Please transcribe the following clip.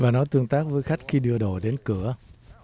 và nó tương tác với khách khi đưa đồ đến cửa